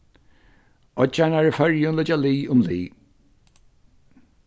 oyggjarnar í føroyum liggja lið um lið